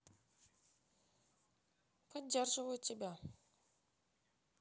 поддерживаю тебя